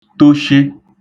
toshị